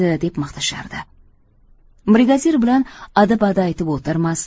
deb maqtashardi brigadir bilan adi badi aytib o'tirmas